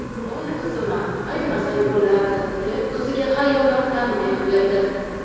voy qizim a aytmasang bo'lardi deb qiziga xayolan tanbeh berdi